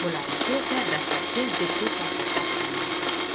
bularniki esa dastlabki jiddiy tadqiqot sanalardi